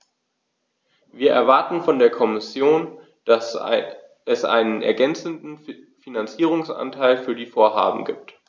Wir erwarten von der Kommission, dass es einen ergänzenden Finanzierungsanteil für die Vorhaben gibt.